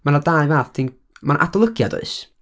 Ma' 'na dau fath, dwi'n, ma' 'na adolygiad, oes?